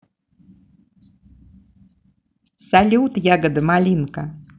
салют ягода малинка